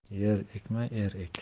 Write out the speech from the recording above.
yer ekma er ek